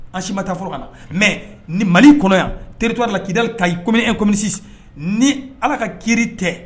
An sibata foro ka na mɛ ni mali kɔnɔ yan terire to la k'ida ka i co e kɔmimisi ni ala ka kiiri tɛ